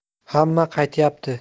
hamma qaytyapti